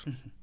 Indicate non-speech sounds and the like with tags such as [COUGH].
[HESITATION] [HESITATION]